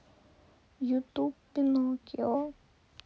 ютуб пиноккио